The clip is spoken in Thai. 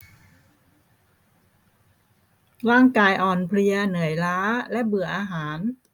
ร่างกายอ่อนเพลียเหนื่อยล้าและเบื่ออาหาร